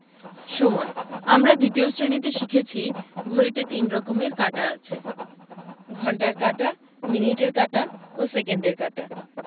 সময় আমরা ২য় শ্রেণিতে শিখেছি ঘড়িতে ৩ রকমের কাঁটা আছে ঘণ্টার কাঁটা মিনিটের কাঁটা ও সেকেন্ডের কাঁটা